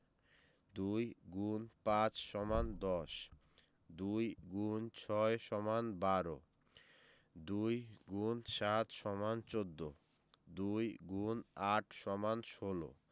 ২ X ৫ = ১০ ২ X ৬ = ১২ ২ X ৭ = ১৪ ২ X ৮ = ১৬